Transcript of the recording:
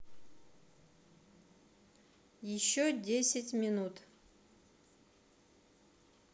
еще десять минут